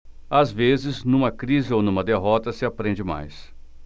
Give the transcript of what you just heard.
às vezes numa crise ou numa derrota se aprende mais